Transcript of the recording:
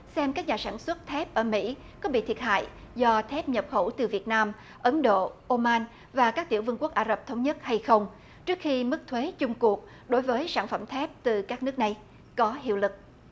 xem các nhà sản xuất thép ở mỹ có bị thiệt hại do thép nhập khẩu từ việt nam ấn độ ô man và các tiểu vương quốc ả rập thống nhất hay không trước khi mức thuế chung cuộc đối với sản phẩm thép từ các nước này có hiệu lực